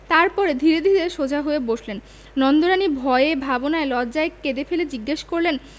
তার পরে ধীরে ধীরে সোজা হয়ে বসলেন নন্দরানী ভয়ে ভাবনায় লজ্জায় কেঁদে ফেলে জিজ্ঞাসা করলেন